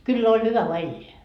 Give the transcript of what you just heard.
kyllä oli hyvä vain elää